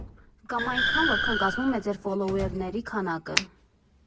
Կամ այնքան, որքան կազմում է ձեր ֆոլոուերների քանակը։